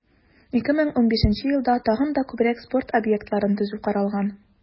2015 елда тагын да күбрәк спорт объектларын төзү каралган.